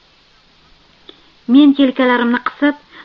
men yelkalarimni qisib